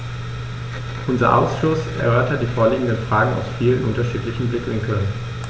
Unser Ausschuss erörtert die vorliegenden Fragen aus vielen unterschiedlichen Blickwinkeln.